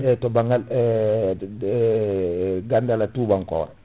e to banggal * to banggal tubankore